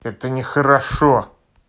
это нехорошо